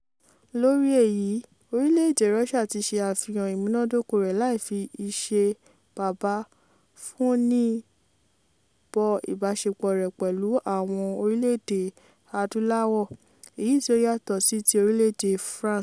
Lórí èyí orílẹ̀-èdè Russia tí ṣe àfihàn ìmúnádóko rẹ̀ láì fi ìṣe bàbá fún ní bọ ìbáṣepọ̀ rẹ̀ pẹ̀lú àwọn orílẹ̀ èdè Ilẹ̀ Adúláwò, èyí tí ó yàtọ̀ sí ti orílẹ̀ èdè France.